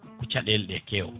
ko caɗele ɗe kew